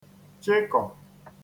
̀chịkọ̀